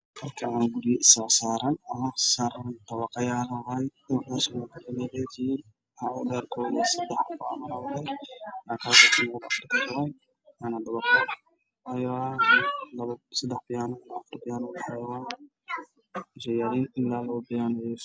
Meeshaan waxaa ku jiraan dabaqyo caddaysi iyo guddigu isku jireen oo dhaadheer oo isku eego fara badan